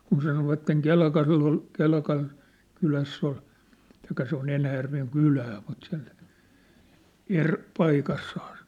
kun sanoivat Kelkalla oli Kelkan kylässä oli tai se on Enäjärven kylää mutta se on eri paikassa